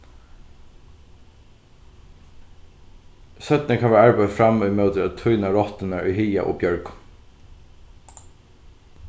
seinni kann verða arbeitt fram ímóti at týna rotturnar í haga og bjørgum